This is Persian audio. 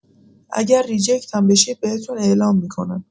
اگر ریجکت هم بشید بهتون اعلام می‌کنن.